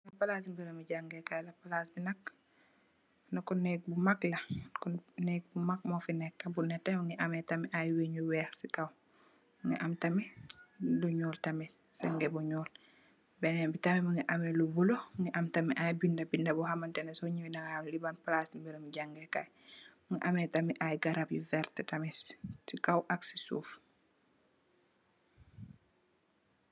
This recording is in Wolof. Palasi berabi jangeh kai palass bi nak neko neg bu mak la kom neg bu mag mofa neka bu neteh Mungi ameh tam i weng yu weih y kaw Mungi am tamit lu nyuul tamit ceiling bu nyuul benen bi tamit Mungi ameh lu blue Mungi am tamit i binda binda bohamanteh neh so nyoweh danga wah neh li app palasi berabi jangeh kai la Mungi ameh tamit I garab nyu verteh tamit sey kaw ak sey suuf.